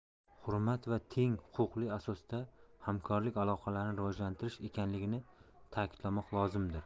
hurmat va teng huquqli asosda hamkorlik aloqalarini rivojlantirish ekanligini ta'kidlamoq lozimdir